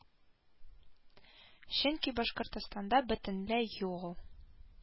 Чөнки Башкортстанда бөтенләй юк ул